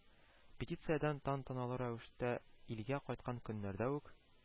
Педициядән тантаналы рәвештә илгә кайткан көннәрдә үк